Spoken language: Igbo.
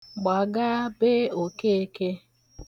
Gbagaa be Okeke.